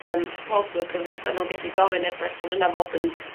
yymsupport worker fusa n'w gellu gofyn i'r berson yna fod yn